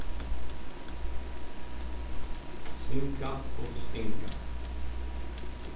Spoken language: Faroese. svinga og stinga